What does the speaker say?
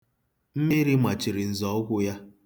Mmiri machiri nzọụkwụ ahụ.